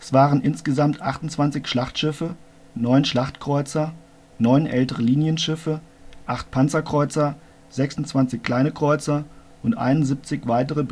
waren insgesamt 28 Schlachtschiffe, 9 Schlachtkreuzer, 9 ältere Linienschiffe, 8 Panzerkreuzer, 26 Kleine Kreuzer und 71 weitere